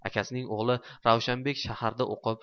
akasining o'g'li ravshanbek shaharda o'qib